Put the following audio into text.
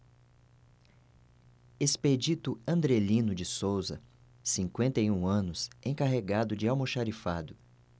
expedito andrelino de souza cinquenta e um anos encarregado de almoxarifado